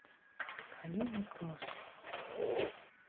калина кросс